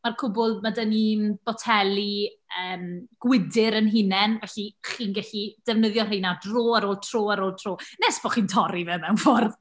Ma'r cwbl, ma' 'da ni'n boteli yym gwydr ein hunain. Felly chi'n gallu defnyddio rheina dro ar ôl tro ar ôl tro ar ôl tro. Nes bo' chi'n torri fe mewn ffordd .